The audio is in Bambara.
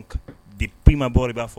De pma bɔ b'a fɔ